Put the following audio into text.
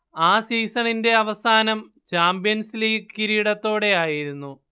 ആ സീസണിന്റെ അവസാനം ചാമ്പ്യൻസ് ലീഗ് കിരീടത്തോടെയായിരുന്നു